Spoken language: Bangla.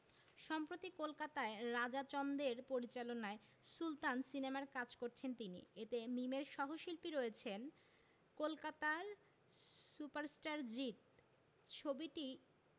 সম্প্রতি কলকাতায় রাজা চন্দের পরিচালনায় সুলতান সিনেমার কাজ করেছেন তিনি এতে মিমের সহশিল্পী রয়েছেন কলকাতার সুপারস্টার জিৎ ছবিটি